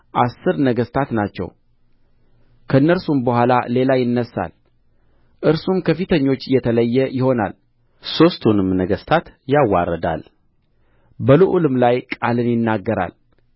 አሥር ነገሥታት ናቸው ከእነርሱም በኋላ ሌላ ይነሣል እርሱም ከፊተኞች የተለየ ይሆናል ሦስቱንም ነገሥታት ያዋርዳል በልዑሉም ላይ ቃልን ይናገራል